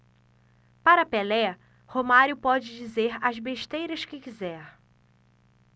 para pelé romário pode dizer as besteiras que quiser